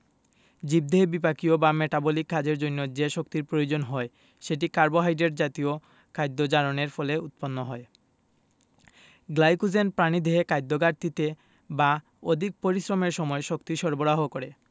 জীবদেহে বিপাকীয় বা মেটাবলিক কাজের জন্য যে শক্তির প্রয়োজন হয় সেটি কার্বোহাইড্রেট জাতীয় খাদ্য জারণের ফলে উৎপন্ন হয় গ্লাইকোজেন প্রাণীদেহে খাদ্যঘাটতিতে বা অধিক পরিশ্রমের সময় শক্তি সরবরাহ করে